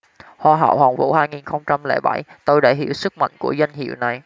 hoa hậu hoàn vũ hai nghìn không trăm lẻ bảy tôi đã hiểu sức mạnh của danh hiệu này